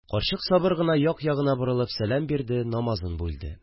Карчык сабыр гына як-ягына борылып сәләм бирде, намазын бүлде